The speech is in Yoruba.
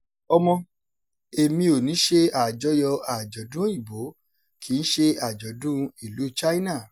Ọmọ: Èmi ò ní ṣe àjọyọ̀ àjọ̀dún Òyìnbó kì í ṣe àjọ̀dún ìlúu China.